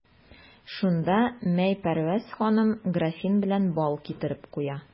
Шунда Майпәрвәз ханым графин белән бал китереп куя.